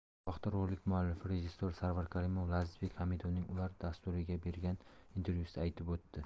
bu haqda rolik muallifi rejissor sarvar karimov lazizbek hamidovning ular dasturiga bergan intervyusida aytib o'tdi